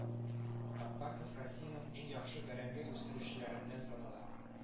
Аппаков Россиянең иң яхшы бәрәңге өстерүчеләреннән санала